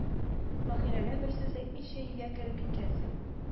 Маһирәгә бер сүз әйтмичә өйгә кереп киткәнсең